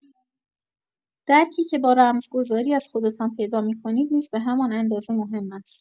درکی که با مرزگذاری از خودتان پیدا می‌کنید نیز به همان اندازه مهم است.